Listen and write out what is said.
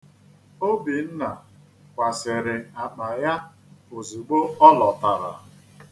Obinna kwasịrị akpa ya ozigbo ọ lọtara.